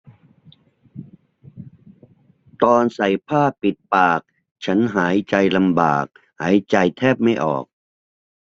ตอนใส่ผ้าปิดปากฉันหายใจลำบากหายใจแทบไม่ออก